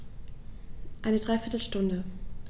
Eine dreiviertel Stunde